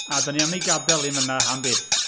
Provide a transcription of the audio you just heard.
A dan ni am ei gadael hi'n fan'na am byth.